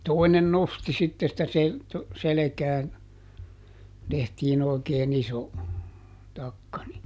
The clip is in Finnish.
toinen nosti sitten sitä - selkään tehtiin oikein iso takka niin